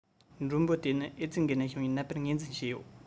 མགྲོན པོ དེ ནི ཨེ ཙི འགོས ནད བྱུང བའི ནད པར ངོས འཛིན བྱས ཡོད